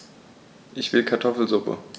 Ich will Kartoffelsuppe.